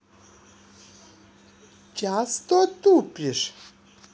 часто тупишь